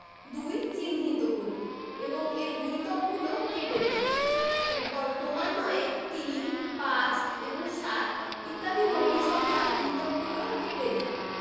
২ চিহ্নিত করি এবং এর গুণিতকগলো কেটে দেই এরপর ক্রমান্বয়ে ৩ ৫ এবং ৭ ইত্যাদি মৌলিক সংখ্যার গুণিতকগুলো কেটে দিই